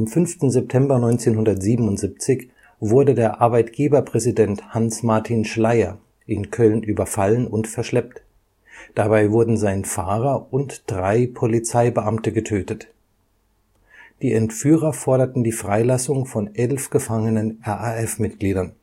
5. September 1977 wurde der Arbeitgeberpräsident Hanns Martin Schleyer in Köln überfallen und verschleppt, dabei wurden sein Fahrer und drei Polizeibeamte getötet. Die Entführer forderten die Freilassung von elf gefangenen RAF-Mitgliedern